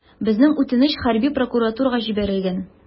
Безнең үтенеч хәрби прокуратурага җибәрелгән.